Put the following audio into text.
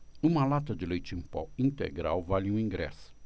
uma lata de leite em pó integral vale um ingresso